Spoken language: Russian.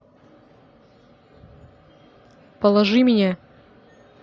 положи меня